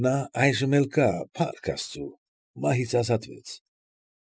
Նա այժմ էլ կա, փառք աստծու, մահից ազատվեց։